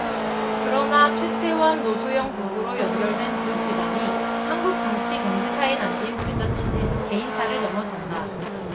그러나 최태원 노소영 부부로 연결된 두 집안이 한국 정치 경제사에 남긴 발자취는 개인사를 넘어선다